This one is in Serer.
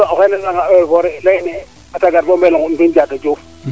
o xeene refanga eaux et foret leyne fata gar boo Mbengout mbin Diatta Diouf